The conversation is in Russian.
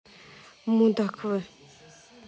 мудаквы